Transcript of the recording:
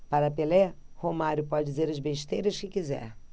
para pelé romário pode dizer as besteiras que quiser